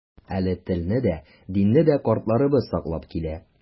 Әле телне дә, динне дә картларыбыз саклап килә.